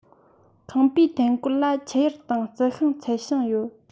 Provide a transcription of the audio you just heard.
ཁང པའི ཐན ཀོར ལ ཆུ ཡུར དང རྩྭ ཤིང ཚལ ཞིང ཡོད